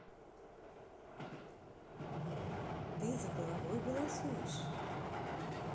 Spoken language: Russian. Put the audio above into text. ты за головой голосуешь